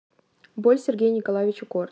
боль сергея николаевича корни